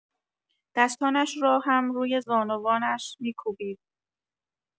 دستانش را هم روی زانوانش می‌کوبید